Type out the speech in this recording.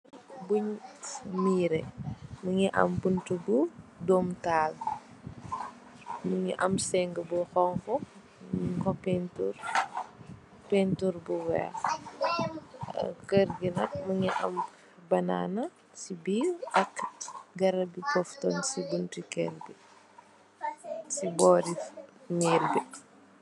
Bunj miire, mingi am buntu bu doomtaal, mingi am sengu bu xonxu, nyun ko pintir pintir bu weex, kergi nak mingi am banana si biir ak garabi pofton si buntu ker bi, si boori miir bi.